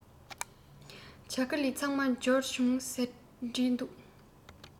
ཇ ག ལི ཚང མ འབྱོར བྱུང ཟེར བྲིས འདུག